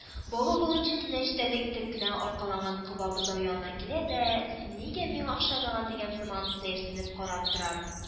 Бавы болын читенә җитәрлек итеп кенә арканланган коба бозау янына килә дә, син нигә миңа охшамаган дигән сыман сәерсенеп карап тора